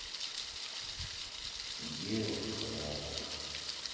дело храбрых